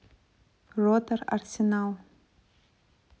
ротор арсенал